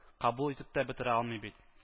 Кабул итеп тә бетерә алмый бит